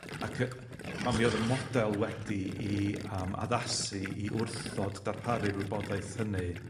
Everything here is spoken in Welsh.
Ac yy a mi o'dd y model wedi 'i yym addasu i wrthod darparu'r wybodaeth hynny